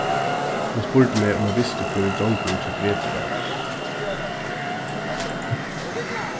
hann spurdi meg um eg visti hvør ið drongurin hjá gretu var